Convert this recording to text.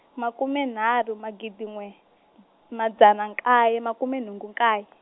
makume nharhu magidi n'we , madzana nkaye makume nhungu nkaye.